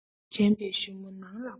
དྲན པའི གཞུ མོ ནང དུ བཀུག ཚེ